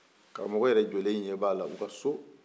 karamɔgɔ yɛrɛ jɔlen ɲɛ b'a la u ka so